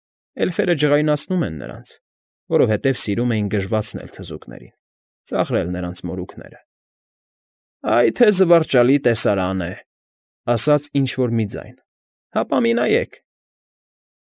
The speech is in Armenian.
Էլֆերը ջղայնացնում էին նրանց, որովհետև սիրում էին գժվացնել թզուկներին, ծաղրել նրանց մորուքները։ ֊ Այ թե զվարճալի տեսարան է,֊ ասաց ինչ֊որ մի ձայն…֊ Հապա մի նայեք…